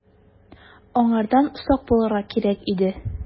Аңардан сак булырга кирәк иде.